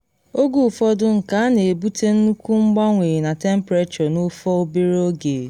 Oge ụfọdụ nke a na ebute nnukwu mgbanwe na temprechọ n’ofe obere oge.